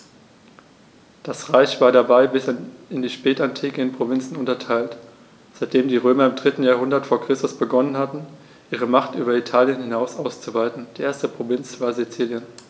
Das Reich war dabei bis in die Spätantike in Provinzen unterteilt, seitdem die Römer im 3. Jahrhundert vor Christus begonnen hatten, ihre Macht über Italien hinaus auszuweiten (die erste Provinz war Sizilien).